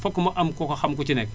fokk mu am ku ko xam ku ci nekk